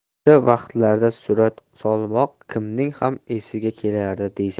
o'sha vaqtlarda surat solmoq kimning ham esiga kelardi deysiz